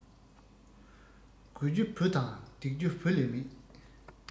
དགོས རྒྱུ བུ དང འདེགས རྒྱུ བུ ལས མེད